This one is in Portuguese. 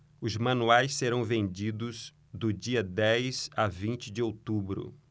os manuais serão vendidos do dia dez a vinte de outubro